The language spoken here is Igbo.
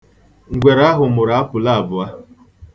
Ngwere ahụ mụrụ apụle abụọ.